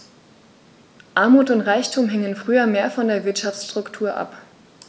Armut und Reichtum hingen früher mehr von der Wirtschaftsstruktur ab.